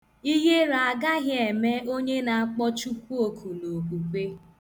Ihere agaghị eme onye na-akpọ Chukwu oku n' okwukwe.